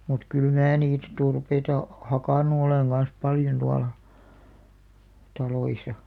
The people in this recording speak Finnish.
mutta kyllä minä niitä turpeita hakannut olen kanssa paljon tuolla taloissa